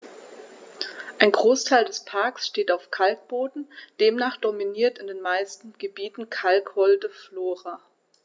Ein Großteil des Parks steht auf Kalkboden, demnach dominiert in den meisten Gebieten kalkholde Flora.